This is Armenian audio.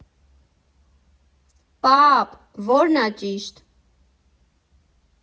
֊ Պաաապ, ո՞րն ա ճիշտ.